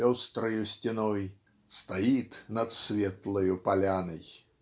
пестрою стеной Стоит над светлою поляной.